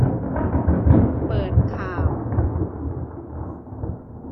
เปิดข่าว